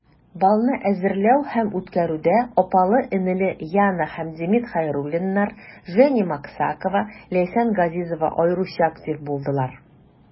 Балны әзерләү һәм үткәрүдә апалы-энеле Яна һәм Демид Хәйруллиннар, Женя Максакова, Ләйсән Газизова аеруча актив булдылар.